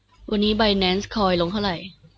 วันนี้ไบแนนซ์คอยลงเท่าไหร่